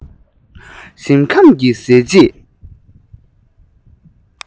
ཞིམ ཉམས ཀྱིས བཟས རྗེས